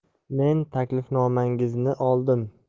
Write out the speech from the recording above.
men taklifnomangizni oldim